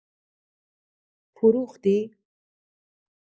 فروختی؟